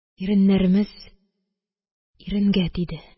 Иреннәремез иренгә тиде...